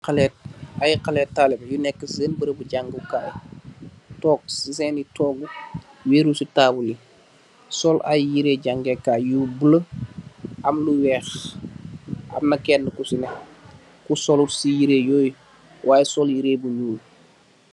Ay xalèh talibeh yu nekka ci sèèn barabu jangèè kai tóóg ci sèèni tóógu wèru ci tabull yi. Sol ay yirèh jangèè kai yu bula am lu wèèx, am na Kenna ku si neh ku solut ci yirèh yooy way sol yirèh bu ñuul.